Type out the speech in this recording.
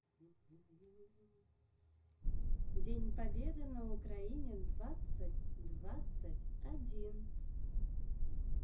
день победы на украине двадцать двадцать один